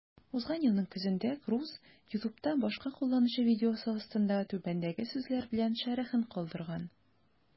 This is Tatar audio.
Узган елның көзендә Круз YouTube'та башка кулланучы видеосы астында түбәндәге сүзләр белән шәрехен калдырган: